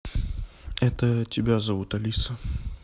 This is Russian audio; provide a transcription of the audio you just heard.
это тебя зовут алиса